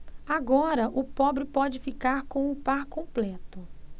agora o pobre pode ficar com o par completo